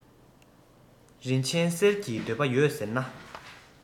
རིན ཆེན གསེར གྱི འདོད པ ཡོད ཟེར ན